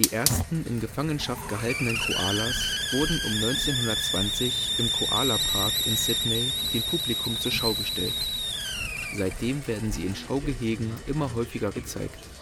ersten in Gefangenschaft gehaltenen Koalas wurden um 1920 im Koala Park in Sydney dem Publikum zur Schau gestellt. Seitdem werden sie in Schaugehegen immer häufiger gezeigt